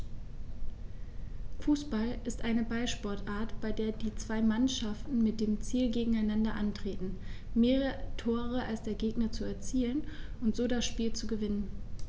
Fußball ist eine Ballsportart, bei der zwei Mannschaften mit dem Ziel gegeneinander antreten, mehr Tore als der Gegner zu erzielen und so das Spiel zu gewinnen.